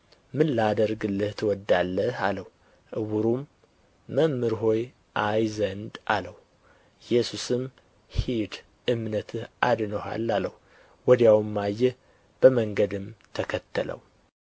ምን ላደርግልህ ትወዳለህ አለው ዕውሩም መምህር ሆይ አይ ዘንድ አለው ኢየሱስም ሂድ እምነትህ አድኖሃል አለው ወዲያውም አየ በመንገድም ተከተለው